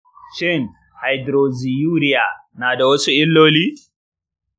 shin hydroxyurea na da wasu illoli?